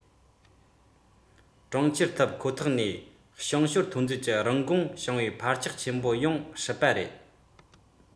གནད དོན འདི དག ཕྱི ལ ཡོང ངེས དང འཕེལ རྒྱས གཏོང དགོས པ ཁོ ཐག རེད